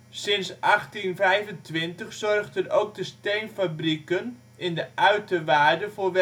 Sinds 1825 zorgden ook de steenfabrieken in de uiterwaarden voor